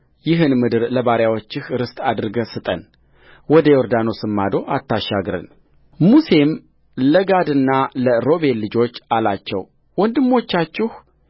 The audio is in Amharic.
ይህን ምድር ለባሪያዎችህ ርስት አድርገህ ስጠን ወደ ዮርዳኖስም ማዶ አታሻግረንሙሴም ለጋድና ለሮቤል ልጆች አላቸው ወንድሞቻችሁ